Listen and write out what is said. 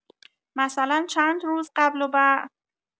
مثلا چند روز قبل و بعد؟